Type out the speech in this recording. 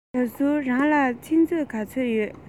ཞའོ སུའུ རང ལ ཚིག མཛོད ག ཚོད ཡོད